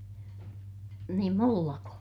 niin minullako